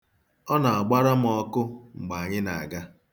Ọ na-agbara m ọkụ mgbe anyị na-aga.